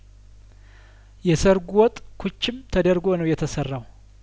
የሰርጉ ወጥ ኩችም ተደርጐ ነው የተሰራው